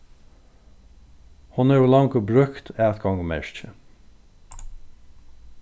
hon hevur longu brúkt atgongumerkið